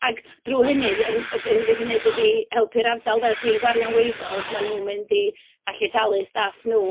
Ac drwy hynny, yr un- yr unig beth i wneud ydy helpu'r ardal de. Os dwi'n gwario yn Wavells, maen nhw'n mynd i allu talu staff nhw.